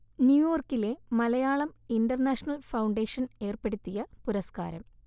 ന്യൂയോർക്കിലെ Malayalam international foundation ഏർപ്പെടുത്തിയ പുരസ്കാരം